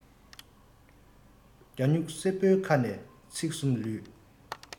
རྒྱ སྨྱུག གསེར པོའི ཁ ནས ཚིག གསུམ ལུས